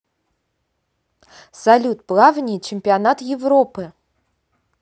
салют плавание чемпионат европы